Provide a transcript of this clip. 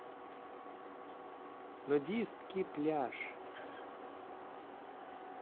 нудистский пляж